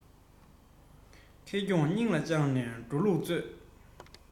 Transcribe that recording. སྤ ར ལྕ མོ གང ཐོན ངེས མེད རེད